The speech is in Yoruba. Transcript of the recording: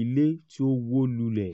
ile ti o wo lulẹ.